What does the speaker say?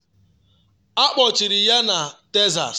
Akpọchiri ya na Texas.